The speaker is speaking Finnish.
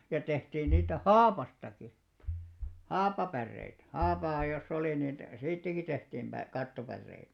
ja tehtiin niitä haavastakin haapapäreitä haapaa jossa oli niin siitäkin tehtiin - kattopäreitä